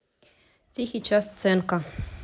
тихий час сценка